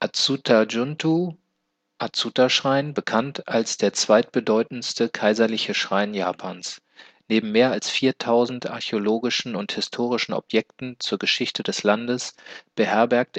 Atsuta-jingū (Atsuta-Schrein) – bekannt als der zweit-bedeutendste kaiserliche Schrein Japans. Neben mehr als 4000 archäologischen und historischen Objekten zur Geschichte des Landes beherbergt